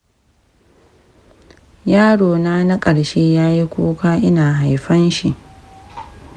yaro na na ƙarshe yayi kuka ina haifanshi.